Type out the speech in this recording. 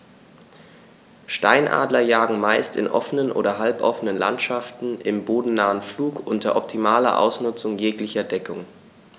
Steinadler jagen meist in offenen oder halboffenen Landschaften im bodennahen Flug unter optimaler Ausnutzung jeglicher Deckung.